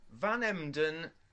Van Emden